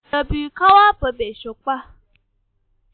ལྟ བུའི ཁ བ བབས པའི ཞོགས པ